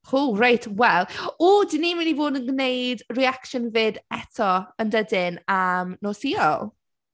Cŵl, reit, wel. Ww, dan ni mynd i fod yn gwneud reaction vid eto yn dydyn, am nos Sul.